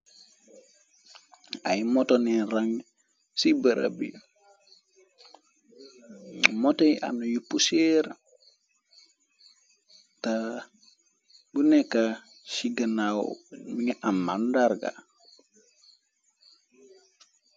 Ayy motone rang ci bërab bi motoy amna yu puseer ta bu nekka shigganaaw minga am man ndarga.